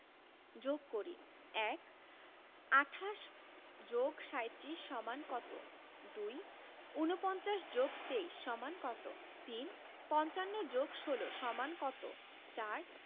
যোগ করিঃ ১ ২৮ + ৩৭ = কত ২ ৪৯ + ২৩ = কত ৩ ৫৫ + ১৬ = কত ৪